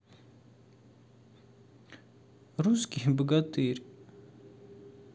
русский богатырь